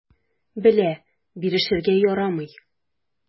Белә: бирешергә ярамый.